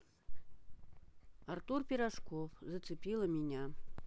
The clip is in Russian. артур пирожков зацепила меня